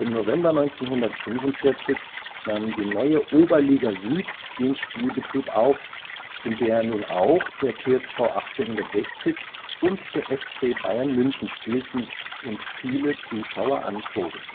November 1945 nahm die neue Oberliga Süd den Spielbetrieb auf, in der nun auch der TSV 1860 und der FC Bayern München spielten und viele Zuschauer anzogen